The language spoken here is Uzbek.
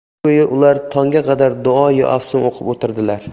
shu ko'yi ular tongga qadar duoyi afsun o'qib o'tirdilar